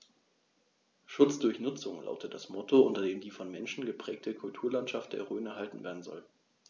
„Schutz durch Nutzung“ lautet das Motto, unter dem die vom Menschen geprägte Kulturlandschaft der Rhön erhalten werden soll.